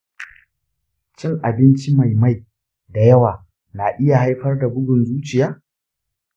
cin abinci mai mai da yawa na iya haifar da bugun zuciya?